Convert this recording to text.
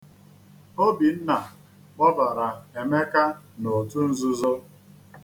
Obinna kpọbara Emeka n'otu nzuzo.